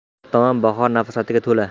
to'rt tomon bahor nafosatiga to'la